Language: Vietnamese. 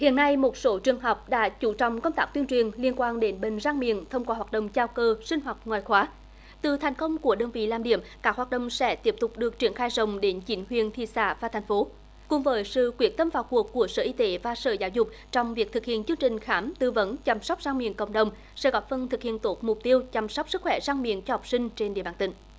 hiện nay một số trường học đã chú trọng công tác tuyên truyền liên quan đến bệnh răng miệng thông qua hoạt động chào cờ sinh hoạt ngoại khóa từ thành công của đơn vị làm điểm các hoạt động sẽ tiếp tục được triển khai rộng đến chín huyện thị xã và thành phố cùng với sự quyết tâm vào cuộc của sở y tế và sở giáo dục trong việc thực hiện chương trình khám tư vấn chăm sóc răng miệng cộng đồng sẽ góp phần thực hiện tốt mục tiêu chăm sóc sức khỏe răng miệng cho học sinh trên địa bàn tỉnh